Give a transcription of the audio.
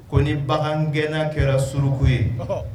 Ko ni bagangɛnna kɛra suruku ye